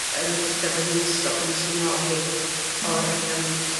yy yn y dillad odd hi wisgo pan esh i nôl hi o'r yym